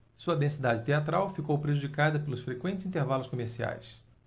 sua densidade teatral ficou prejudicada pelos frequentes intervalos comerciais